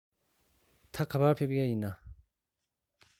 ད ག པར ཕེབས མཁན ཡིན ན